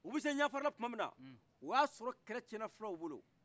u bɛ se ɲafarila tuma min na o bɛ a sɔrɔ kɛlɛ tiɲɛ na fulaw bolo